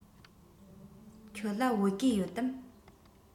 ཁྱོད ལ བོད གོས ཡོད དམ